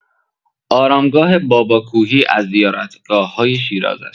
آرامگاه بابا کوهی از زیارتگاه‌های شیراز است.